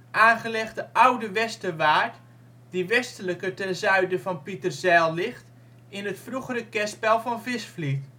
aangelegde ' oude Westerwaard ' die westelijker ten zuiden van Pieterzijl ligt in het vroegere kerspel van Visvliet